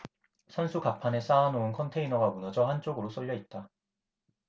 선수 갑판에 쌓아놓은 컨테이너가 무너져 한쪽으로 쏠려 있다